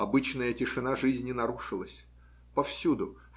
Обычная тишина жизни нарушилась повсюду